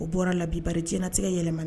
O bɔra la bibari jinɛɲɛnatigɛ yɛlɛmana